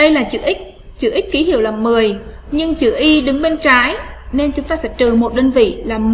đây là chữ x trừ x kí hiệu là nhưng chữ y đứng bên trái nên chúng ta sẽ trừ đơn vị là